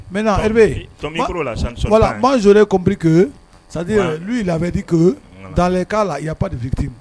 Mɛ na bazoe cobiri ko sa n ye labɛndi ko dalen k'a la ya debiti